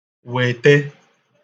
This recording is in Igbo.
wète